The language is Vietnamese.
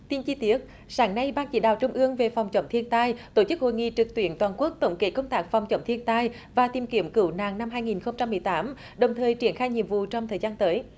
tin chi tiết sáng nay ban chỉ đạo trung ương về phòng chống thiên tai tổ chức hội nghị trực tuyến toàn quốc tổng kết công tác phòng chống thiên tai và tìm kiếm cứu nạn năm hai nghìn không trăm mười tám đồng thời triển khai nhiệm vụ trong thời gian tới